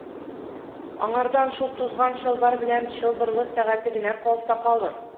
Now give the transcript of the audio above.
Аңардан шул тузган чалбар белән чылбырлы сәгате генә калса калыр.